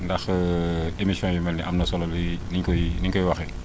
ndax émission yu mel nii am na solo oui ni ñu koy ni ñu koy waxee